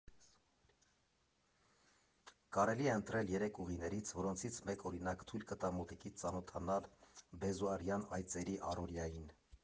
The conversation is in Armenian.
Կարելի է ընտրել երեք ուղիներից, որոնցից մեկը, օրինակ, թույլ կտա մոտիկից ծանոթանալ բեզոարյան այծերի առօրյային։